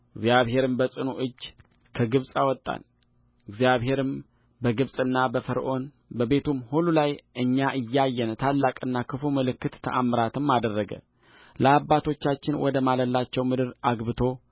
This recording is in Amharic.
እግዚአብሔርም በጽኑ እጅ ከግብፅ አወጣንእግዚአብሔርም ከግብፅና በፈርዖን በቤቱም ሁሉ ላይ እኛ እያየን ታላቅና ክፉ ምልክት ተአምራትም አደረገለአባቶቻችን ወደ ማለላቸው ምድር አግብቶ